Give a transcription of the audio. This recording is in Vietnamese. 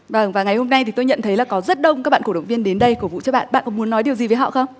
vâng và ngày hôm nay thì tôi nhận thấy là có rất đông các bạn cổ động viên đến đây cổ vũ cho bạn bạn muốn nói điều gì với họ không